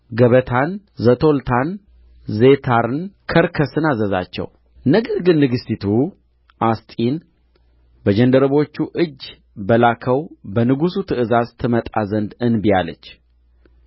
ገበታን ዘቶልታን ዜታርን ከርከስን አዘዛቸው ነገር ግን ንግሥቲቱ አስጢን በጃንደረቦቹ እጅ በላከው በንጉሡ ትእዛዝ ትመጣ ዘንድ እንቢ አለች